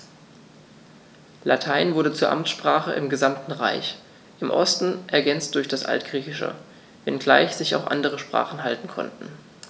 Latein wurde zur Amtssprache im gesamten Reich (im Osten ergänzt durch das Altgriechische), wenngleich sich auch andere Sprachen halten konnten.